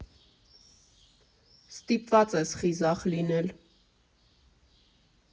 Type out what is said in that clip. Ստիպված ես խիզախ լինել։